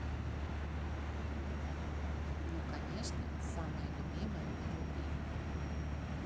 ну конечно самая любимая нелюбимая